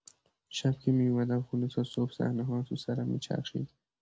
شب که می‌اومدم خونه، تا صبح صحنه‌ها تو سرم می‌چرخید.